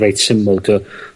reit syml dy- ...